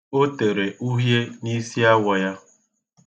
O tere uhie n'isiawọ ya.